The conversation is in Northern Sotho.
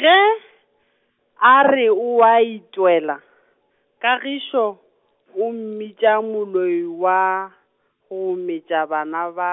ge, a re oa itwela, Kagišo, o mmitša moloi wa, go metša bana ba ,